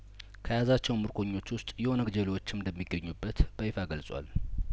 ከያዛቸውም ምርኮኞች ውስጥ የኦነግ ጀሌዎችም እንደሚገኙበት በይፋ ገልጿል